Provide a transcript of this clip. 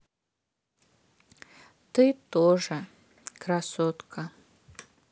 ты тоже красотка